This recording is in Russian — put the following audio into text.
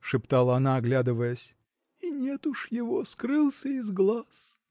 – шептала она, оглядываясь, – и нет уж его, скрылся из глаз!